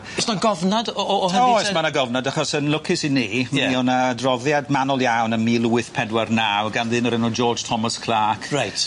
O's 'na gofnad o o o hynny? O oes ma' 'na gofnod achos yn lwcus i ni... Ie. ...mi o' 'na adroddiad manwl iawn ym mil wyth pedwar naw gan ddyn o'r enw George Thomas Clarke. Reit.